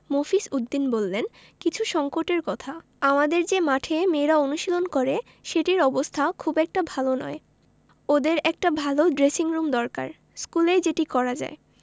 মফিজ উদ্দিন বললেন কিছু সংকটের কথা আমাদের যে মাঠে মেয়েরা অনুশীলন করে সেটির অবস্থা খুব একটা ভালো নয় ওদের একটা ভালো ড্রেসিংরুম দরকার স্কুলেই যেটি করা যায়